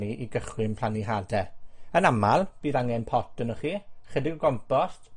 ni i gychwyn plannu hade. Yn amal, bydd angen pot anoch chi, chydig o gompost,